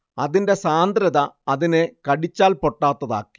അതിന്റെ സാന്ദ്രത അതിനെ കടിച്ചാൽ പൊട്ടാത്തതാക്കി